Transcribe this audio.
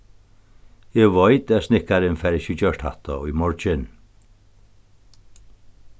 eg veit at snikkarin fær ikki gjørt hatta í morgin